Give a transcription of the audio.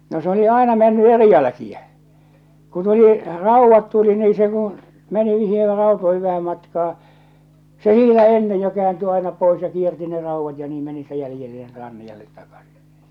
no se oli aina mennyt eri jälkiä kun tuli raudat tuli niin se kun meni niihin rautoihin vähän matkaa se niitä ennen jo kääntyi aina pois ja kiersi ne raudat ja niin meni siitä jäljelle ja ranniolle takaisin